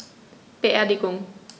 Beerdigung